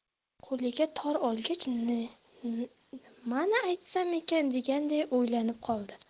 qo'liga tor olgach nimani aytsam ekan deganday o'ylanib qoldi